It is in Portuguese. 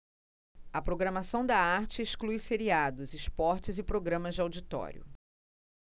a programação da arte exclui seriados esportes e programas de auditório